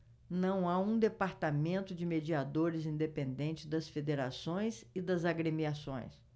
não há um departamento de mediadores independente das federações e das agremiações